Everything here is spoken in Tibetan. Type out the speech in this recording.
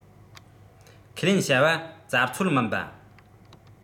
ཁས ལེན བྱ བ བཙལ འཚོལ མིན པ